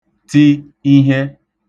ti ihe